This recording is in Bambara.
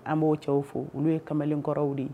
An b'o cɛw fo olu ye kamalenkɔrɔw de ye